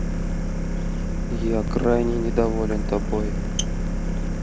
я крайне недоволен тобой